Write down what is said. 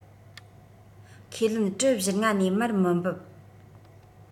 ཁས ལེན གྲི བཞི ལྔ ནས མར མི འབབ